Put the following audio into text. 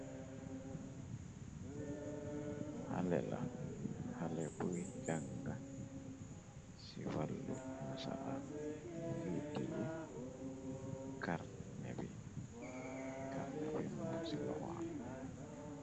xale la xale buy jànga ci wàlu na saraan mu ti yi karna bi karna bi mun ci loxo am.